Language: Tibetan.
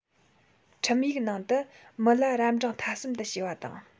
ཁྲིམས ཡིག ནང དུ མི ལ རབ འབྲིང ཐ གསུམ དུ ཕྱེ བ དང